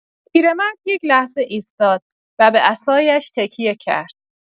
پیرمرد یک‌لحظه ایستاد و به عصایش تکیه کرد.